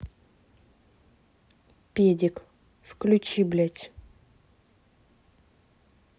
педик включи блядь